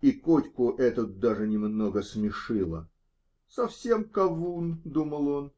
и Котьку это даже немного смешило. -- Совсем кавун! -- думал он.